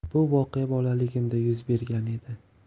bu voqea bolaligimda yuz bergan edi